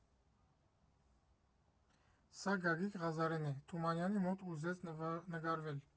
Սա Գագիկ Ղազարեն է, Թումանյանի մոտ ուզեց նկարվել։